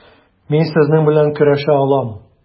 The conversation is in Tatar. Мин сезнең белән көрәшә алам.